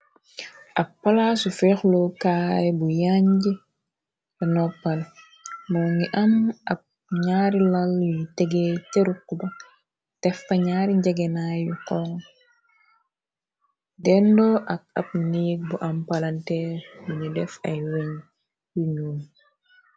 Ab palasu feexlookaay bu yanji teh noppal moo ngi an ab ñaari lal yuy tegeey cha ruguba def fa ñaari njegenayu xonxo dendoo ak ab niik bu am palanteer binu def ay weah yu ñuul.